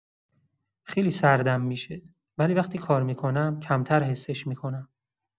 خیلی سردم می‌شه، ولی وقتی کار می‌کنم کمتر حسش می‌کنم.